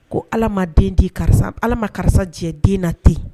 Ko ala ma den di karisa ala ma karisa jɛ den na ten